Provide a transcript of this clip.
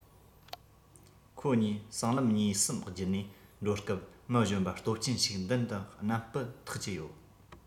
ཁོ གཉིས སྲང ལམ གཉིས གསུམ བརྒྱུད ནས འགྲོ སྐབས མི གཞོན པ སྟོབས ཆེན ཞིག མདུན དུ སྣམ སྤུ འཐགས ཀྱི ཡོད